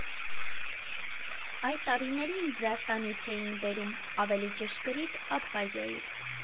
Այդ տարիներին Վրաստանից էին բերում, ավելի ճշգրիտ՝ Աբխազիայից։